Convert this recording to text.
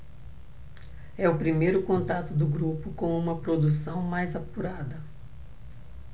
é o primeiro contato do grupo com uma produção mais apurada